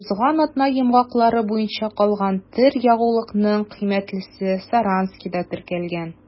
Узган атна йомгаклары буенча калган төр ягулыкның кыйммәтлесе Саранскида теркәлгән.